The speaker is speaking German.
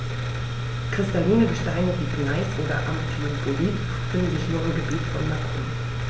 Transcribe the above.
Kristalline Gesteine wie Gneis oder Amphibolit finden sich nur im Gebiet von Macun.